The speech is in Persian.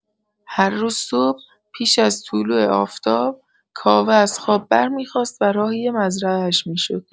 هر روز صبح، پیش از طلوع آفتاب، کاوه از خواب برمی‌خاست و راهی مزرعه‌اش می‌شد.